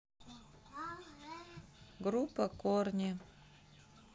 группа корни